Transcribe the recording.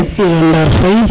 iyo Ndar Faye